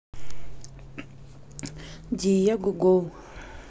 диего гоу